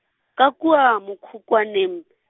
ka kua mokhukhwaneng.